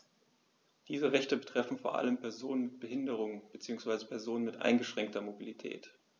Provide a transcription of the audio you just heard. Diese Rechte betreffen vor allem Personen mit Behinderung beziehungsweise Personen mit eingeschränkter Mobilität.